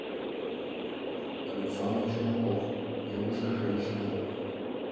александр чумаков девушка женщина